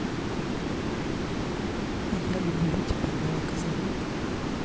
я люблю тебя молокозавод